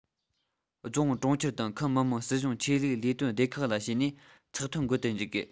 རྫོང གྲོང ཁྱེར དང ཁུལ མི དམངས སྲིད གཞུང ཆོས ལུགས ལས དོན སྡེ ཁག ལ ཞུས ནས ཚགས ཐོ འགོད དུ འཇུག དགོས